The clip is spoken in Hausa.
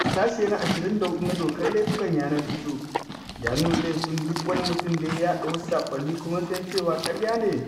Sashe na 24 na Dokar Laifuffukan Yanar gizo ya nuna laifin "duk wani mutum da ya yaɗa wasu saƙonni kuma ya san cewa ƙarya ne,